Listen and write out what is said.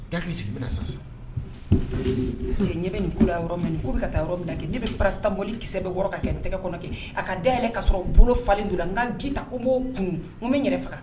Daki sigi bɛna na sa cɛ ɲɛmɛ nin ku yɔrɔ min bɛ ka taa yɔrɔ min na kɛ ne bɛ pasaoli kikisɛsɛbɛ ka kɛ tɛgɛ kɔnɔ kɛ a ka da yɛlɛɛlɛn ka sɔrɔ u bolo falen don la n ji ta ko'o kun n bɛ n yɛrɛ faga